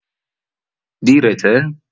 دیرته؟